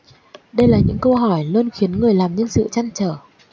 đây là những câu hỏi luôn khiến người làm nhân sự trăn trở